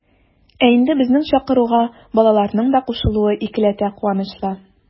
Ә инде безнең чакыруга балаларның да кушылуы икеләтә куанычлы.